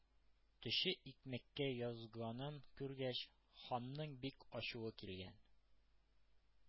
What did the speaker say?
Төче икмәккә язганын күргәч, ханның бик ачуы килгән: